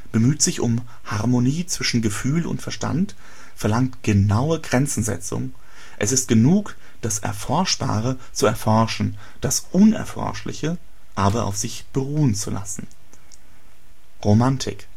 bemüht sich um Harmonie zwischen Gefühl und Verstand; verlangt genaue Grenzensetzung – Es ist genug, das Erforschbare zu erforschen, das Unerforschliche aber auf sich beruhen zu lassen. Romantik